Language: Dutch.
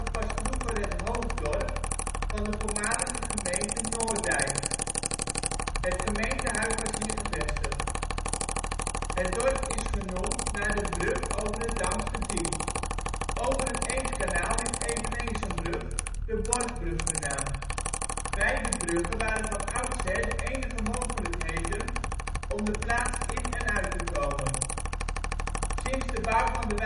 was vroeger het hoofddorp van de voormalige gemeente Noorddijk. Het gemeentehuis was hier gevestigd. Het dorp is genoemd naar de brug over het Damsterdiep. Over het Eemskanaal ligt eveneens een brug, de Borgbrug genaamd. Beide bruggen waren van oudsher de enige mogelijkheden om de plaats in en uit te komen. Sinds de bouw van de